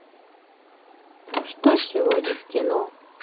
что сегодня в кино